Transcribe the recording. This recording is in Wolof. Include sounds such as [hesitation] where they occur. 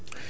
[hesitation] [hesitation]